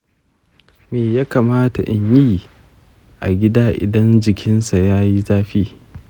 me ya kamata in yi a gida idan jikinsa ya yi zafi?